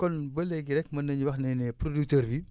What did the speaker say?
kon ba léegi rek mën nañu wax ne ne producteur bi